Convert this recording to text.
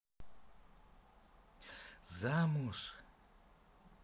замуж